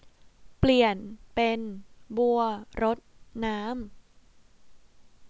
เปลี่ยนเป็นบัวรดน้ำ